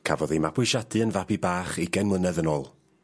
Cafodd ei mabwysiadu yn fabi bach ugain mlynedd yn ôl